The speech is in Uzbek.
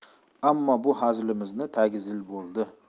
ammo bu hazilimizning tagi zil bo'ldi